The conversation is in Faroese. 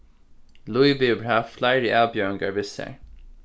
lívið hevur havt fleiri avbjóðingar við sær